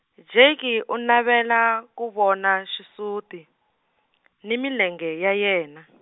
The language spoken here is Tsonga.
Jake a navela ku vona xisuti, ni milenge ya yena.